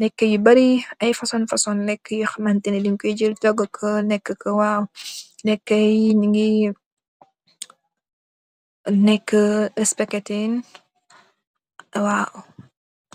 Lékë yu bari, ay fasong, fasong lékë yoo xamante ne dañgkooy jël toogu ko, lékë ko. Waaw, lékë yi ñu neekë, espageti, waaw.